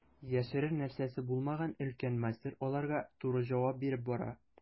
Яшерер нәрсәсе булмаган өлкән мастер аларга туры җавап биреп бара.